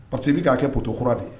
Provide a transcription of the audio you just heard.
Parce que i bɛ k'a kɛ pto kura de ye